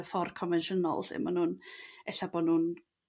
y ffordd confensiynol 'lly ma' nhw'n... E'lla' bo' nhwn